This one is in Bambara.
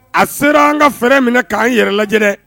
A sera an ka fɛrɛɛrɛ minɛ k'an yɛrɛ lajɛ